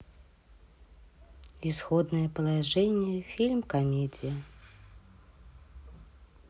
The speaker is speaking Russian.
исходное положение фильм комедия